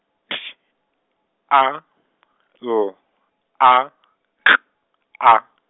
T A L A K A.